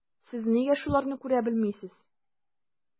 Сез нигә шуларны күрә белмисез?